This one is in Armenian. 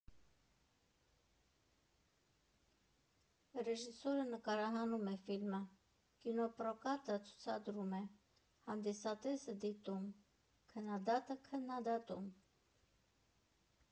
Ռեժիսորը նկարահանում է ֆիլմը, կինոպրոկատը ցուցադրում է, հանդիսատեսը՝ դիտում, քննադատը՝ քննադատում։